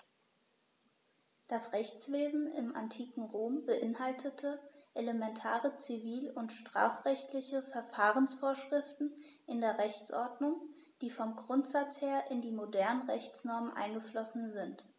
Das Rechtswesen im antiken Rom beinhaltete elementare zivil- und strafrechtliche Verfahrensvorschriften in der Rechtsordnung, die vom Grundsatz her in die modernen Rechtsnormen eingeflossen sind.